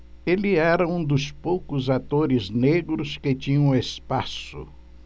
ele era um dos poucos atores negros que tinham espaço